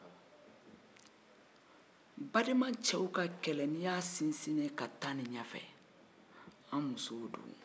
ni ye balimakɛw ka kɛlɛ sɛgɛsɛgɛ ka taa ɲɛfɛ an muso don